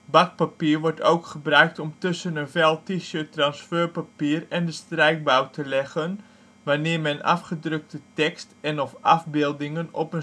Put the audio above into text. Bakpapier wordt ook gebruikt om tussen een vel T-shirt transferpapier en de strijkbout te leggen wanneer men afgedrukte tekst en/of afbeeldingen op